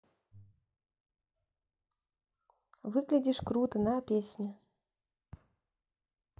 выглядишь круто на песня